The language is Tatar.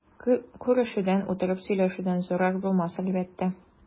Күрешүдән, утырып сөйләшүдән зарар булмас әлбәттә.